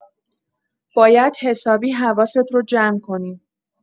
باید حسابی حواست رو جمع کنی.